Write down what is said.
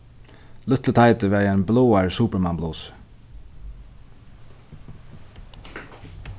lítli teitur var í eini bláari superman blusu